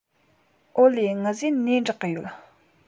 ཨོ ལེ ངི བཟོས ནས འབྲེག གི ཡོད